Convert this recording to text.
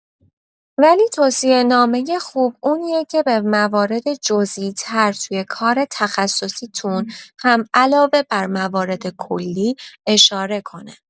ولی توصیه‌نامۀ خوب اونیه که به موارد جزیی‌تر توی کار تخصصیتون هم علاوه بر موارد کلی اشاره کنه.